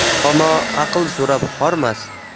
dono aql so'rab hormas